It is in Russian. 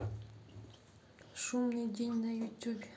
шумный день на ютубе